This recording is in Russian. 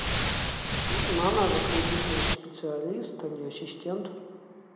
она же кредитный специалист а не ассистент